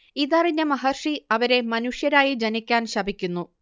ഇതറിഞ്ഞ മഹർഷി അവരെ മനുഷ്യരായി ജനിക്കാൻ ശപിക്കുന്നു